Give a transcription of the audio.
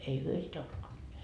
ei he sitä uskoneet